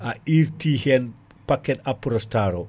a irti hen paquet Aprostar o